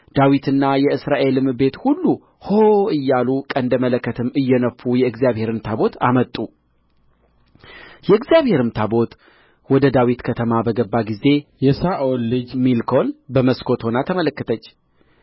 ዳዊትና የእስራኤልም ቤት ሁሉ ሆ እያሉ ቀንደ መለከትም እየነፉ የእግዚአብሔርን ታቦት አመጡ የእግዚአብሔርም ታቦት ወደ ዳዊት ከተማ በገባ ጊዜ የሳኦል ልጅ ሜልኮል በመስኮት ሆና ተመለከተች